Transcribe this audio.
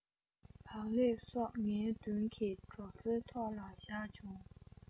བག ལེབ སོགས ངའི མདུན གྱི སྒྲོག ཙེའི ཐོག ལ བཞག བྱུང